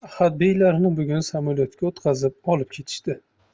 ahadbeylarni bugun samolyotga o'tqazib olib ketishdi